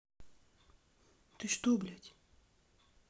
ты что блядь